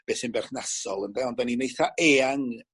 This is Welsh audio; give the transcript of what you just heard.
beth sy'n berchnasol ynde ond 'dan ni'n eitha eang